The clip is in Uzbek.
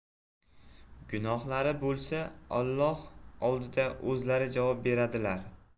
gunohlari bo'lsa alloh oldida o'zlari javob beradilar